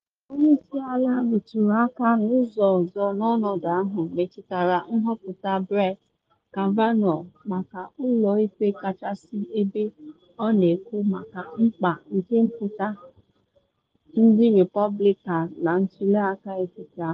Onye isi ala rụtụrụ aka n’ụzọ ọzọ n’ọnọdụ ahụ metụtara nhọpụta Brett Kavanaugh maka Ụlọ Ikpe Kachasị ebe ọ na ekwu maka mkpa nke mpụta ndị Repọblikan na ntuli aka etiti afọ.